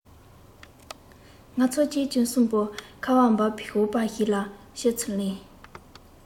ང ཚོ གཅེན གཅུང གསུམ པོ ཁ བ བབས པའི ཞོགས པ ཞིག ལ སྐྱེ ཚུལ གླེང